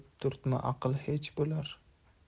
turtma aql hech bo'lar